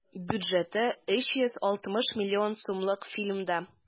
Бюджеты 360 миллион сумлык фильмда.